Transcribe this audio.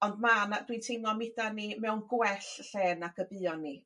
Ond ma' 'na dwi'n teimlo mi 'dan ni mewn gwell lle nag y buon ni.